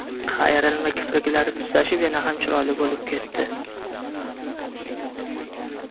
qayrilma kipriklari tutashib yana ham chiroyli bo'lib ketdi